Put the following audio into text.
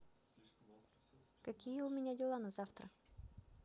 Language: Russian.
какие у меня дела на завтра